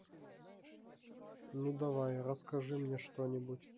ну давай расскажи мне что нибудь